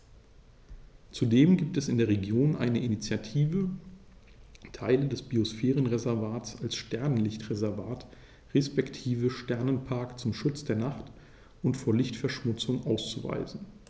Zudem gibt es in der Region eine Initiative, Teile des Biosphärenreservats als Sternenlicht-Reservat respektive Sternenpark zum Schutz der Nacht und vor Lichtverschmutzung auszuweisen.